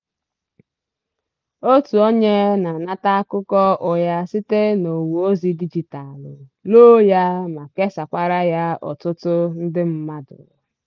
Otu onye na-anata akụkọ ụgha site n'ọwa ozi dijitalụ, loo ya ma kesakwara ya ọtụtụ ndị mmadụ.